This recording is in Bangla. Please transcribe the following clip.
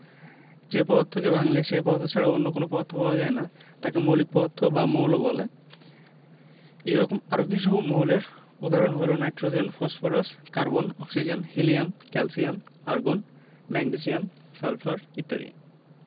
যে পদার্থকে ভাঙলে সেই পদার্থ ছাড়া অন্য কোনো পদার্থ পাওয়া যায় না তাকে মৌলিক পদার্থ বা মৌল বলে এরকম আরও কিছু মৌলের উদাহরণ হলো nitrogen phosphorus carbon oxygen helium calcium argon magnesium sulphur ইত্যাদি